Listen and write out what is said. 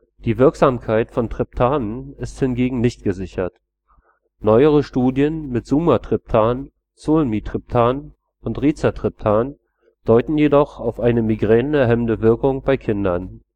Die Wirksamkeit von Triptanen ist hingegen nicht gesichert. Neuere Studien mit Sumatriptan, Zolmitriptan und Rizatriptan deuten jedoch auf eine migränehemmende Wirkung bei Kindern